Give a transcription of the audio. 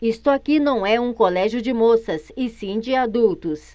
isto aqui não é um colégio de moças e sim de adultos